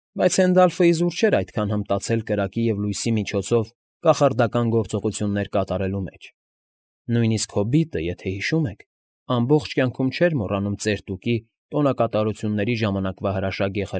Բայց Հենդալֆը իզուր չէր այդքան հմտացել կրակի և լույսի միջոցով կախարդական գործողություններ կատարելու մեջ (նույնիսկ հոբիտը, եթե հիշում եք, ամբողջ կյանքում չէր մոռանում ծեր Տուկի տոնակատարությունների ժամանակվա հրաշագեղ։